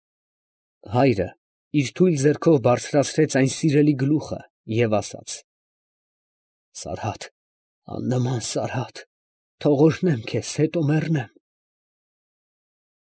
Հայրը իր թույլ ձեռքով բարձրացրեց այն սիրելի գլուխը և ասաց. «Սարհա՜տ, աննման Սարհա՜տ, թող օրհնեմ քեզ, հետո մեռնեմ»։ ֊